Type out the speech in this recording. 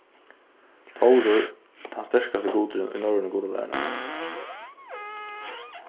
tórur tann sterkasti gudurin í norrønu gudalæruni